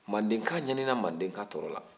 mandenka ɲanina mandenka tɔrɔla